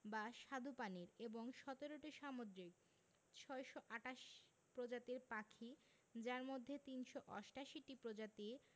বা স্বাদুপানির এবং ১৭টি সামুদ্রিক ৬২৮ প্রজাতির পাখি যার মধ্যে ৩৮৮টি প্রজাতি